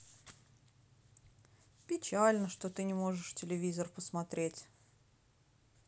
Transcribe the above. печально что ты не можешь телевизор посмотреть